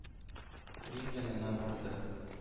Рим янына бардык.